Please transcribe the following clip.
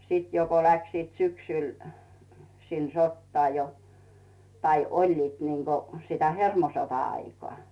sitten jo kun lähtivät syksyllä sinne sotaan jo tai olivat niin kuin sitä hermosota-aikaa